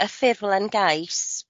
y ffurflen gais